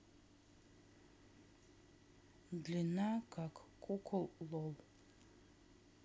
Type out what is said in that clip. длина как кукол лол